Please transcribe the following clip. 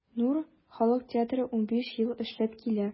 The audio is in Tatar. “нур” халык театры 15 ел эшләп килә.